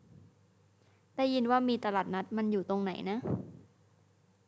ได้ยินว่ามีตลาดนัดมันอยู่ตรงไหนนะ